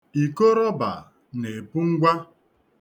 Iko rọba na-ebu ngwa.